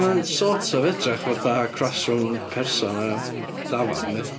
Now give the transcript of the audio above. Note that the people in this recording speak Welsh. Mae'n sort of edrych fatha cross* rhwng person a dafad, yndi?